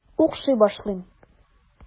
Укшый башлыйм.